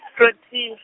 Proter-.